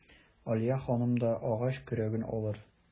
Алия ханым да агач көрәген алыр.